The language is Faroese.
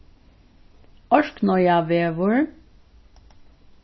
orknoyavegur